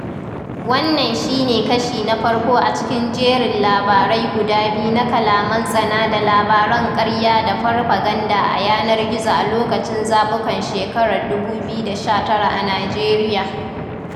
Wannan shi ne kashi na farko a cikin jerin labarai guda biyu na kalaman tsana da labaran ƙarya da farfaganda a yanar gizo a lokacin zaɓukan shekarar 2019 a Nijeriya.